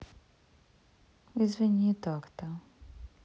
извини такта